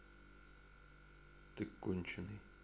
ты конченый